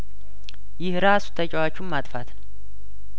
ይህ ራሱ ተጫዋቹን ማጥፋት ነው